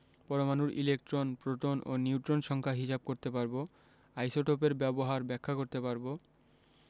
পরমাণুর electron proton ও neutron সংখ্যা হিসাব করতে পারব আইসোটোপের ব্যবহার ব্যাখ্যা করতে পারব